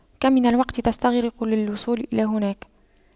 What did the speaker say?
كم الوقت تستغرق للوصول إلى هناك